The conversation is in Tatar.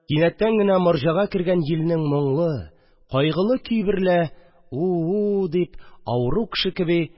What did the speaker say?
Кинәттән генә морҗага кергән җилнең моңлы, кайгылы көй берлә уууу дип, авыру кеше кеби